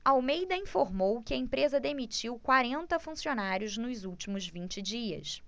almeida informou que a empresa demitiu quarenta funcionários nos últimos vinte dias